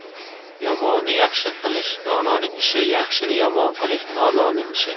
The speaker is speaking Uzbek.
yomonni yaxshi qilish dononing ishi yaxshini yomon qilish nodonning ishi